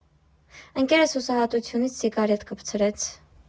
Ընկերս հուսահատությունից սիգարետ կպցրեց։